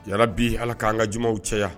Jara bi ala k'an ka jamaw cɛ